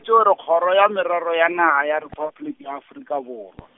kgoro ya Merero ya Naga ya Repabliki ya Afrika Borwa.